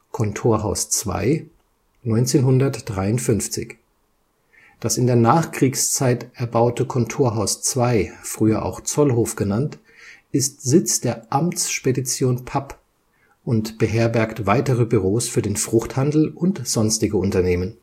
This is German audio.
Kontorhaus II, 1953: Das in der Nachkriegszeit erbaute Kontorhaus II (früher auch Zollhof genannt) ist Sitz der Amtsspedition Papp und beherbergt weitere Büros für den Fruchthandel und sonstige Unternehmen